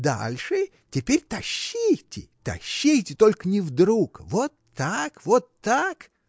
дальше; теперь тащите, тащите, только не вдруг; вот так, вот так.